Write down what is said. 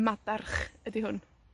Madarch ydi hwn.